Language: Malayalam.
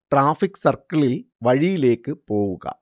ട്രാഫിക് സർക്കിളിൽ, വഴിയിലേക്ക് പോവുക